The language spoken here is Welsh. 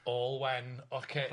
Ôl wen ocê.